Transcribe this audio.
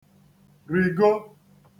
rịgo